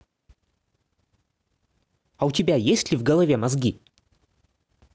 а у тебя есть ли в голове мозги